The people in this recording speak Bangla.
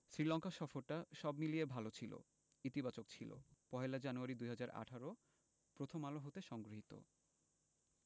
শ্রীলঙ্কা সফরটা সব মিলিয়ে ভালো ছিল ইতিবাচক ছিল ০১ জানুয়ারি ২০১৮ প্রথম আলো হতে সংগৃহীত